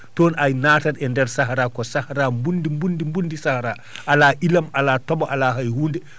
toon ay natat e ndeer Sahra ko Sahra bunndi bunndi bunndi Sahra ala ilam alaa toɓo alaa hay huunde